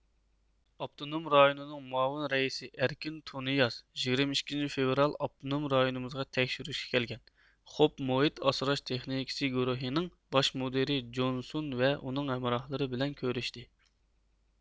ئاپتونوم رايوننىڭ مۇئاۋىن رەئىسى ئەركىن تۇنىياز يىگىرمە ئىككىنچى فېۋرال ئاپتونوم رايونىمىزغا تەكشۈرۈشكە كەلگەن خوب مۇھىت ئاسراش تېخنىكىسى گۇرۇھىنىڭ باش مۇدىرى جونسون ۋە ئۇنىڭ ھەمراھلىرى بىلەن كۆرۈشتى